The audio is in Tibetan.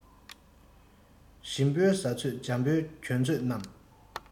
ཞིམ པོའི ཟ ཚོད འཇམ པོའི གྱོན ཚོད རྣམས